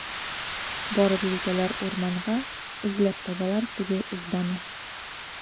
Барып җитәләр урманга, эзләп табалар теге ызбаны.